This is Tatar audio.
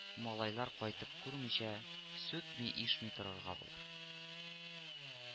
Малайлар кайтып күрмичә, сүтми-ишми торырга булыр